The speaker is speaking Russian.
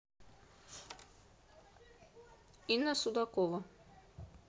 инна судакова